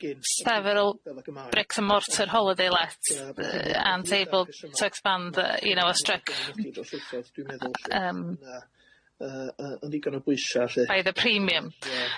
several bricks-and-mortar holiday lets yym aren't table to expand y- you know a strict yym by the premium.